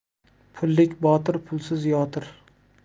pullik botir pulsiz yotir